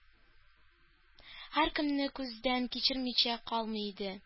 Һәркемне күздән кичермичә калмый иде.